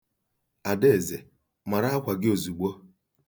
Adaeze, mara akwa gị ozugbo.